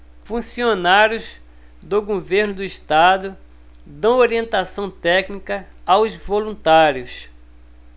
funcionários do governo do estado dão orientação técnica aos voluntários